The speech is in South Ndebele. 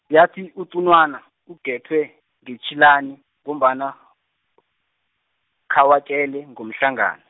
yathi utunwana uGethwe ngetshilani ngombana , khawatjele ngomhlangano.